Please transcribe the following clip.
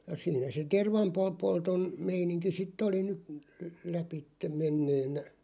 ja siinä se - tervanpolton meininki sitten oli nyt läpi menneenä